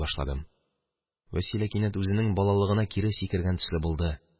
Вәсилә кинәт үзенең балалыгына кире сикергән төсле булды.